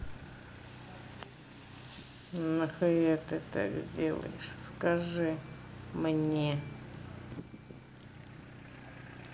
нахуя ты так делаешь а скажи мне